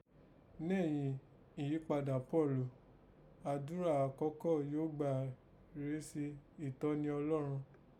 Nẹ̀yìn ìyípadà Pọ́ọ̀lù, àdúrà àkọ́kọ́ yìí ó gbà rèé si, ìtọ́ni Ọlọ́run